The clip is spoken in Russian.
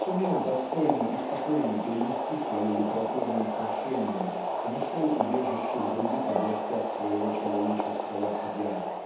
сумел достойно и спокойно перенести свое литературное крушение и нашел убежище в других областях своего человеческого я.